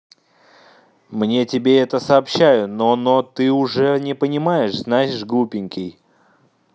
мне тебе это сообщаю но но ты уже не понимаешь знаешь глупенький